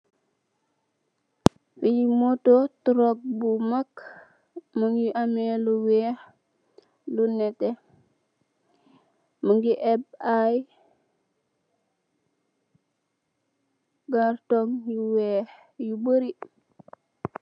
Fi moto truck bo maag mogi ameh lu weex lu neteh mogi ep ay carton yu weex yu bari.